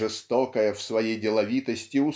жестокая в своей деловитости